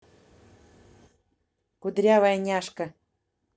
кудрявая няшка